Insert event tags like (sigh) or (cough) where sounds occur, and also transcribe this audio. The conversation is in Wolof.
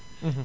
(hesitation) (hesitation)